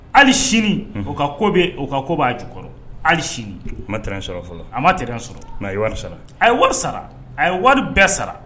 Hali sini unhun o ka ko be o ka ko b'a jukɔrɔ hali sini a ma terrain sɔrɔ fɔlɔ a ma terrain sɔrɔ mais a ye wari sara a ye wari sara a ye wari bɛɛ sara